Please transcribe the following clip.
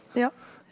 ja.